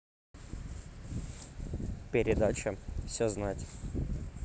передача все знать